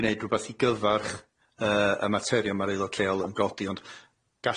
gneud rwbath i gyfarch y- y materion ma'r aelod lleol yn godi ond gallani